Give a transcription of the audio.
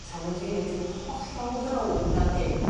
tan ma' n'w 'di mynd yn hollol frown fel hyn